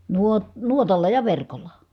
- nuotalla ja verkolla